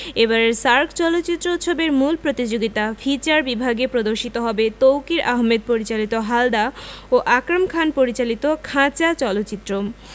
এবারের সার্ক চলচ্চিত্র উৎসবের মূল প্রতিযোগিতা ফিচার বিভাগে প্রদর্শিত হবে তৌকীর আহমেদ পরিচালিত হালদা ও আকরাম খান পরিচালিত খাঁচা চলচ্চিত্র